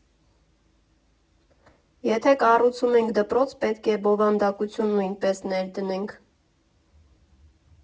«Եթե կառուցում ենք դպրոց, պետք է բովանդակություն նույնպես ներդնենք։